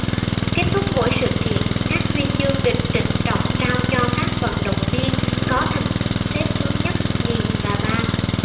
kết thúc mỗi sự kiện các huy chương được trịnh trọng trao cho các vận động viên có thành tích xếp thứ nhất nhì và ba